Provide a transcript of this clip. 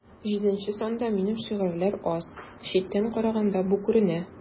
Җиденче санда минем шигырьләр аз, читтән караганда бу күренә.